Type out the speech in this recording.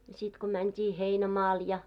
ja sitten kun mentiin heinämaalle ja